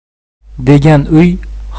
degan uy xayoliga